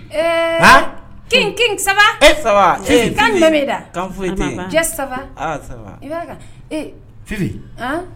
Ee, haa,, king king . Ça va ee ça va eyi! Kan jumɛn in b'i da ? kan foyi tɛ yen Ee Jesi, ça va? Ah, ça va Fifi , ann.